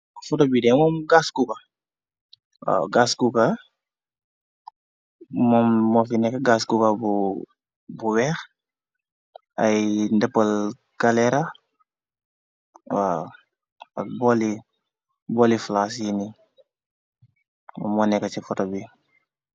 Foto bi demoom gaskuka mon mofi nekk gaskuka bu weex ay ndëppal kaleraa waw ak booli flaas yini mu mo neka ci foto bi.